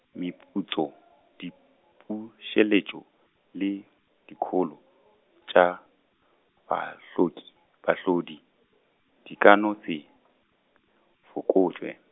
meputso, dipuseletšo, le dikholo tša, baahlodi, baahlodi di ka no se, fokotšwe.